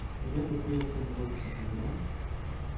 Әйбәт уку йорты булып исәпләнгән,